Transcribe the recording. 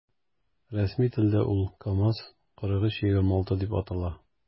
Рәсми телдә ул “КамАЗ- 4326” дип атала.